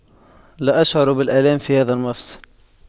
لا أشعر بالآلام في هذا المفصل